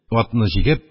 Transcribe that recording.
Атны җигеп,